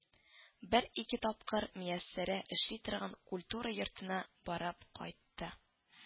Бер-ике тапкыр Мияссәрә эшли торган культура йортына барып кайтты